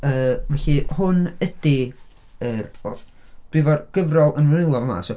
Yy felly hwn ydi yr o- dwi 'fo'r gyfrol yn fy nwylo yn fama so...